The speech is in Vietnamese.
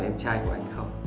em trai của